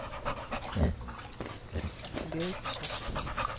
белый песок